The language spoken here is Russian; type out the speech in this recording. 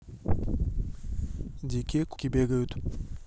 дикие кошки бегают